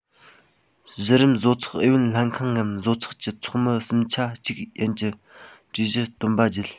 གཞི རིམ བཟོ ཚོགས ཨུ ཡོན ལྷན ཁང ངམ བཟོ ཚོགས ཀྱི ཚོགས མི གསུམ ཆ གཅིག ཡན གྱིས གྲོས གཞི བཏོན པ བརྒྱུད